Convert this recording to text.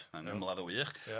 Mae'n ymladd y' wych . Ia.